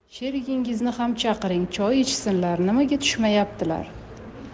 sherigingizni ham chaqiring choy ichsinlar nimaga tushmayaptilar